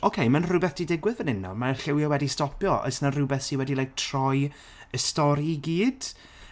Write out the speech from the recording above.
Oce ma'n rhywbeth 'di digwydd fan hyn nawr. Mae'r lliwiau wedi stopio. Oes 'na rywbeth sy wedi like troi y stori i gyd?